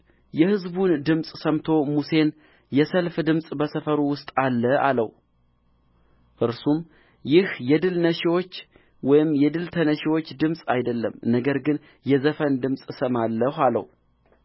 የሕዝቡን ድምፅ ሰምቶ ሙሴን የሰልፍ ድምፅ በሰፈሩ ውስጥ አለ አለው እርሱም ይህ የድል ነሺዎች ወይም የድል ተነሺዎች ድምፅ አይደለም ነገር ግን የዘፈን ድምፅ እሰማለሁ አለው